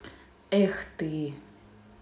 эх ты